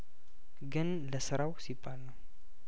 ግን ለስራው ሲባል ነው